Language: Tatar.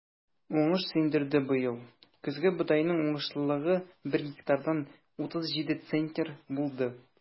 Уңыш сөендерде быел: көзге бодайның уңышлылыгы бер гектардан 37 центнер булды.